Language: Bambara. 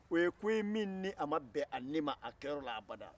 o ye ko ye min n'a ma bɛn ale a kɛyɔrɔ la habada